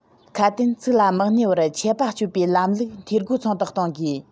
ཁ དན ཚིག ལ མི གནས པར ཆད པ གཅོད པའི ལམ ལུགས འཐུས སྒོ ཚང དུ གཏོང དགོས